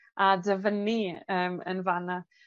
a dyfynnu yym yn fan 'na.